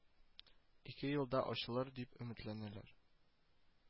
Ике елда ачылыр дип өметләнәләр